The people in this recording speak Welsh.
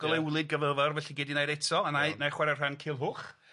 Glewlyd Gafaelfawr felly gei di neud eto a wnâi wnâi chware rhan Culhwch.